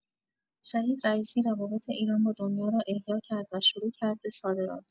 شهید رئیسی روابط ایران با دنیا را احیا کرد و شروع کرد به صادرات.